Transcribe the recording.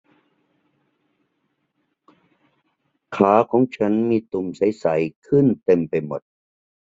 ขาของฉันมีตุ่มใสใสขึ้นเต็มไปหมด